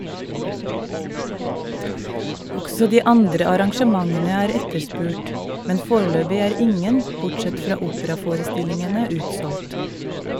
Også de andre arrangementene er etterspurt, men foreløpig er ingen bortsett fra operaforestillingene utsolgt.